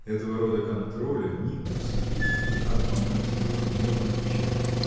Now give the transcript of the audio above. Этого рода контроля ни усыпить, ни обмануть невозможно ничем.